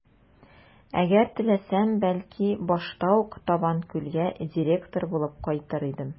Әгәр теләсәм, бәлки, башта ук Табанкүлгә директор булып кайтыр идем.